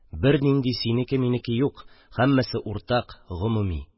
Бернинди «синеке-минеке» юк, һәммәсе уртак, гомуми.